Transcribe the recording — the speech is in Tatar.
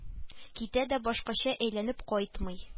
Китә дә башкача әйләнеп кайтмый